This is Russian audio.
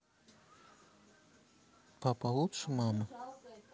папа лучше мамы